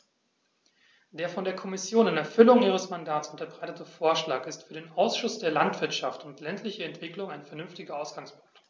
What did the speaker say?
Der von der Kommission in Erfüllung ihres Mandats unterbreitete Vorschlag ist für den Ausschuss für Landwirtschaft und ländliche Entwicklung ein vernünftiger Ausgangspunkt.